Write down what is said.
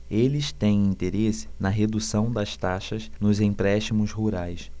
eles têm interesse na redução das taxas nos empréstimos rurais